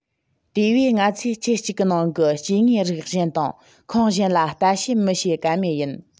དེ བས ང ཚོས ཁྱུ གཅིག གི ནང གི སྐྱེ དངོས རིགས གཞན དང ཁོངས གཞན ལ ལྟ དཔྱད མི བྱེད ག མེད ཡིན